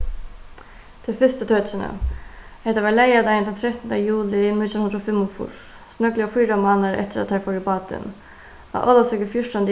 tey fyrstu tøkini hetta var leygardagin tann trettanda juli nítjan hundrað og fimmogfýrs snøggliga fýra mánaðir eftir at teir fóru í bátin á ólavsøku fjúrtan